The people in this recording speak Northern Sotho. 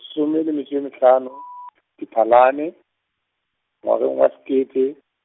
-some le metšo e mehlano, Diphalane, ngwageng wa sekete.